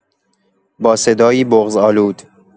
با صدایی بغض‌آلود